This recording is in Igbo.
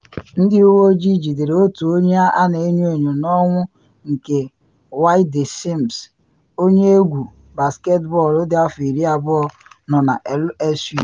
Ndị uwe ojii jidere otu onye a na enyo enyo n’ọnwụ nke Wayde Sims, onye egwu basketbọọlụ dị afọ 20 nọ na LSU.